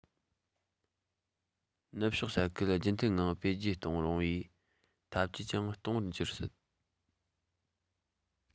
ནུབ རྒྱུད ས ཁུལ རྒྱུན མཐུད ངང འཕེལ རྒྱས གཏོང རུང བའི འཐབ ཇུས ཀྱང སྟོང པར འགྱུར སྲིད